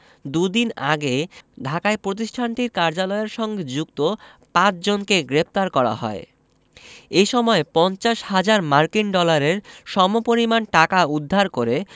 দুদিন আগে ঢাকায় প্রতিষ্ঠানটির কার্যালয়ের সঙ্গে যুক্ত পাঁচজনকে গ্রেপ্তার করা হয় এ সময় ৫০ হাজার মার্কিন ডলারের সমপরিমাণ টাকা উদ্ধার করে